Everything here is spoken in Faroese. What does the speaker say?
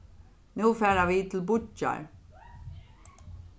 nú fara vit til bíggjar